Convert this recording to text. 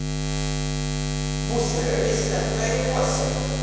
бустер резидент вере восемь